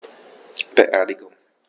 Beerdigung